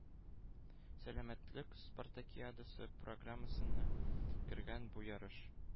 Сәламәтлек спартакиадасы программасына кергән бу ярыш